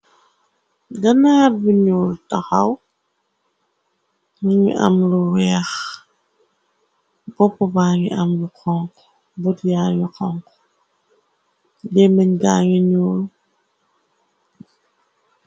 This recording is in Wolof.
Ganaar bi ñuur taxaw mëñi am lu weex bopp ba ngi am lu xonk bot yaañu xonk di mëñ gaangi ñuul.